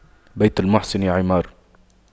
بيت المحسن عمار